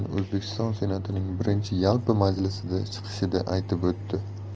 o'zbekiston senatining birinchi yalpi majlisidagi chiqishida aytib o'tdi